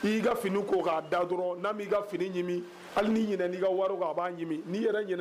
N'i ka fini ko'a da dɔrɔn n'a'i ka finimi hali ni ɲ' ka wari' b'ami'i yɛrɛ